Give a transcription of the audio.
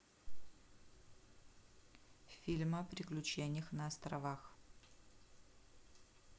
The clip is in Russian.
фильмы о приключениях на островах